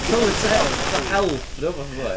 Tylwyth teg fatha elf neu rywbeth oedd o, ia?